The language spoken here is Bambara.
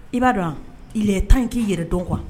I b'a dɔn le tan in k'i yɛrɛ dɔn kuwa